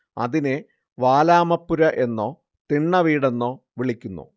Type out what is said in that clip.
അതിനെ വാലാമപ്പുര എന്നോ തിണ്ണവീടെന്നോ വിളിക്കുന്നു